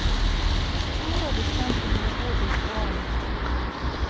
почему радиостанция не работает в ване